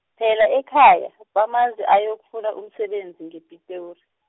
phela ekhaya, bamazi ayokufuna umsebenzi ngePitori.